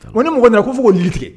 O ni mɔgɔ na ko' f'li tile